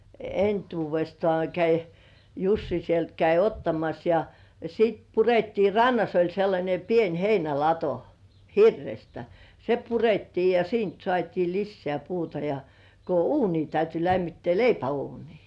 entuudestaan kävi Jussi sieltä kävi ottamassa ja sitten purettiin rannassa oli sellainen pieni heinälato hirrestä se purettiin ja siitä saatiin lisää puuta ja kun uuni täytyi lämmittää leipäuunia